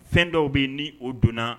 Fɛn dɔw bɛ ni o donna